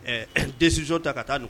Ɛɛ decission ta ka taa ninnu